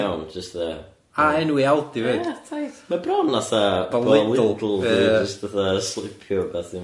Jyst tha ...a enwi Aldi 'fyd. Ia, tight. Ma' bron fatha fatha slipio wbath i fewn.